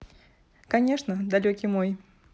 конечно далекой мой